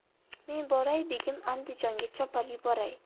men boray begim andijonga chopar yuboray